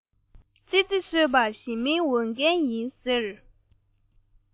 ཙི ཙི གསོད པ ཞི མིའི འོས འགན ཡིན ཟེར